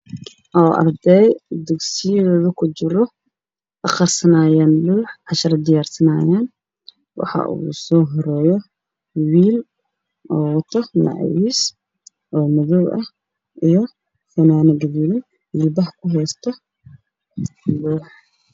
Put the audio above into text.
Arday oo dugsi gooda ku jiro akharisanaayaan loox cashir diyaarsanaayaan waxaa ugu soo horeeyo Wiil oo wato macawiis oo madow ah iyo funaanad guduudan jilbaha haysto iyo madaxa